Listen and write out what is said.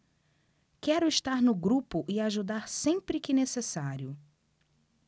quero estar no grupo e ajudar sempre que necessário